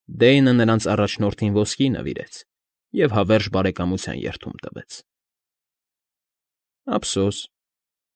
Դեյնը նրանց առաջնորդին ոսկի նվիրեց և հավերժ բարեկամության երդում տվեց։ ֊ Ափսո՜ս։